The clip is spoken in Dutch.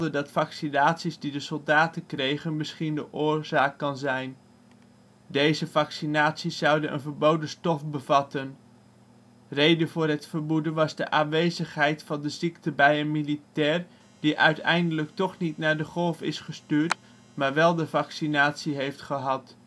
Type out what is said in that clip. dat vaccinaties die de soldaten kregen misschien de oorzaak kan zijn. Deze vaccinaties zouden een ' verboden stof ' bevatten. Reden voor het vermoeden was de aanwezigheid van de ziekte bij een militair die uiteindelijk toch niet naar de Golf is uitgestuurd maar wel de vaccinatie heeft gehad